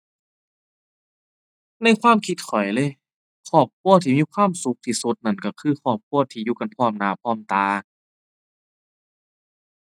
ในความคิดข้อยเลย ครอบครัวที่มีความสุขที่สุดนั้นก็คือครอบครัวที่อยู่กันพร้อมหน้าพร้อมตา